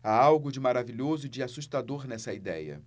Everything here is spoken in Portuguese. há algo de maravilhoso e de assustador nessa idéia